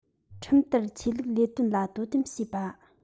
ཁྲིམས ལྟར ཆོས ལུགས ལས དོན ལ དོ དམ བྱེད པ